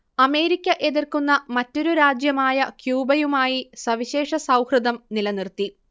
America എതിർക്കുന്ന മറ്റൊരു രാജ്യമായ ക്യൂബയുമായി സവിശേഷ സൗഹൃദം നിലനിർത്തി